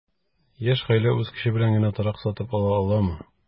Яшь гаилә үз көче белән генә торак сатып ала аламы?